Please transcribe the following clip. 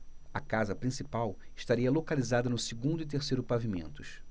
a casa principal estaria localizada no segundo e terceiro pavimentos